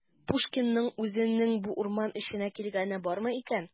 Пушкинның үзенең бу урман эченә килгәне бармы икән?